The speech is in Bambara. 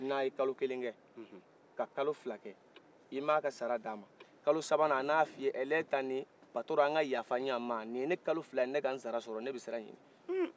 n'a ye kalo kelen kɛ ka kalo fila kɛ i ma ka sara d'a ma kalo sabanan a na fiye ɛlɛtaani patron an ka yafa ɲɔgɔn ma ni ye kalo fila ye ne ka sara sɔrɔ ne bɛ sira ɲinin